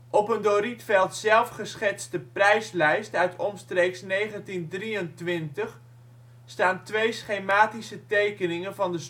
Op een door Rietveld zelf geschetste prijslijst uit omstreeks 1923 staan twee schematische tekeningen van de